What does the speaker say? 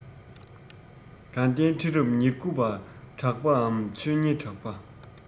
དགའ ལྡན ཁྲི རབས ཉེར དགུ པ གྲགས པའམ ཆོས གཉེར གྲགས པ